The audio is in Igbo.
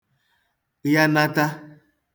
ghanata